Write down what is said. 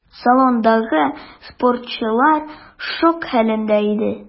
Салондагы спортчылар шок хәлендә иде.